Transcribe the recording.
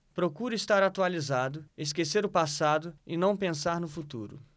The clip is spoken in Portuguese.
procuro estar atualizado esquecer o passado e não pensar no futuro